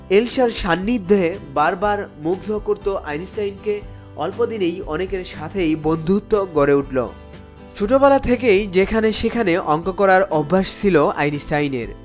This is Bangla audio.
এলসার সান্নিধ্যে বারবার মুগ্ধ করত আইনস্টাইনকে অল্পদিনেই অনেকের সাথে বন্ধুত্ব গড়ে উঠল ছোটবেলা থেকেই যেখানে সেখানে অংক করার অভ্যাস ছিল আইনস্টাইনের